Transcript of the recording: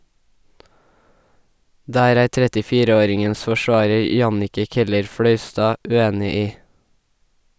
Der er 34-åringens forsvarer Jannicke Keller-Fløystad uenig i.